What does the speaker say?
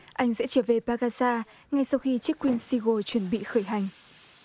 anh sẽ trở về ba ga xa ngay sau khi chiếc cun xu hu chuẩn bị khởi hành